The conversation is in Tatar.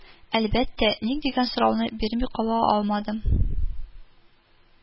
Әлбәттә, ник дигән сорауны бирми кала алмадым